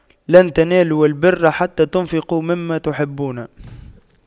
لَن تَنَالُواْ البِرَّ حَتَّى تُنفِقُواْ مِمَّا تُحِبُّونَ